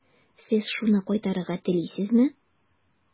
Сез шуны кайтарырга телисезме?